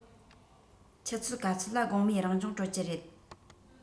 ཆུ ཚོད ག ཚོད ལ དགོང མོའི རང སྦྱོང གྲོལ གྱི རེད